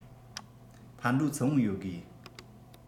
ཕར འགྲོ ཚུར འོང ཡོད དགོས